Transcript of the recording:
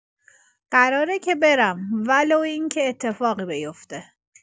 قراره که برم ولو اینکه اتفاقی بیفته